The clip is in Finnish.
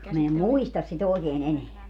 minä en muista sitä oikein enää